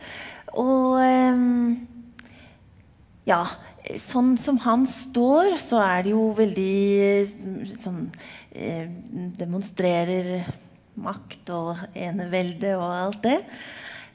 og ja sånn som han står så er det jo veldig sånn demonstrerer makt og enevelde og alt det.